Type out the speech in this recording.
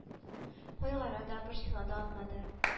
Кайгыра да борчыла да алмады